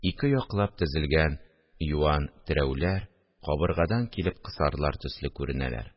Ике яклап тезелгән юан терәүләр кабыргадан килеп кысарлар төсле күренәләр